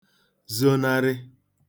zonarị